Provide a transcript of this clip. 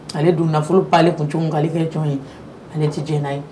Ale dun nafolo b'ale kun cogo min k'ale kɛ jɔn ye ale tɛ jɛn n'a ye